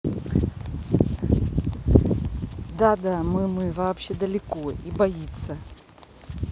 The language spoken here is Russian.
да да мы мы вообще далеко и боится